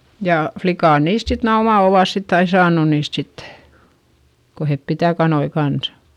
ja likat niistä sitten nämä omat ovat sitten aina saanut niistä sitten kun he pitää kanoja kanssa